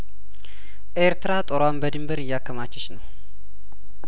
ኤርትራ ጦሯን በድንበር እያከማቸች ነው